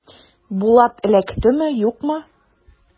Булат эләктеме, юкмы?